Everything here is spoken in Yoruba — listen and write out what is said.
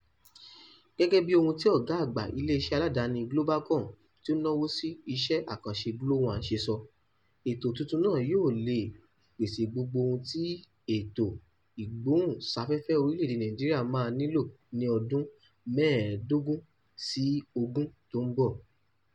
Gẹ́gẹ́ bí ohun tí ọ̀gá àgbà ilé iṣẹ́ àdáni Globacom tí ó náwó sí iṣẹ́ àkànṣe Glo-1 ṣe sọ, ètò tuntun náà yóò lè pèsè gbogbo ohun tí ètò ìgbóhùn sáfẹ́fẹ́ orílẹ̀ èdè Nàìjíríà máa nílò ní ọdún mẹ́ẹ̀dógún sí ogún tí ó ń bọ̀.